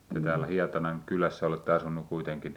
ja täällä Hietanan kylässä olette asunut kuitenkin